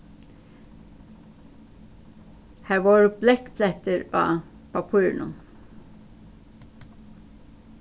har vóru blekkblettir á pappírinum